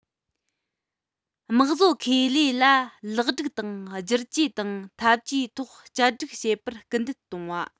དམག བཟོ ཁེ ལས ལ ལེགས སྒྲིག དང བསྒྱུར བཅོས དང འཐབ ཇུས ཐོག བསྐྱར སྒྲིག བྱེད པར སྐུལ འདེད གཏོང བ